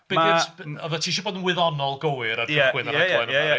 Mae... Oeddet ti isio bod yn wyddonol gywir ar gychwyn y rhaglen yma... Ie, ie, ie.